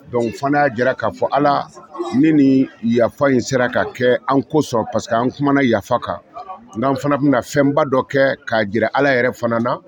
Donc fana y'a jira k'a fɔ Ala ni niin yafa in sera ka kɛ an kosɔ parce que an kumana yafa kan ŋanfana bɛna fɛnba dɔ kɛ k'a jira Ala yɛrɛ fana na